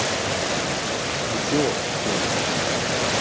пугачева ухожу